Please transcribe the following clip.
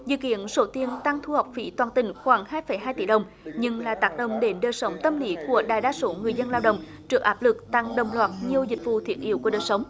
dự kiến số tiền tăng thu học phí toàn tỉnh khoảng hai phẩy hai tỷ đồng nhưng là tác động đến đời sống tâm lý của đại đa số người dân lao động trước áp lực tăng đồng loạt nhiều dịch vụ thiết yếu của đời sống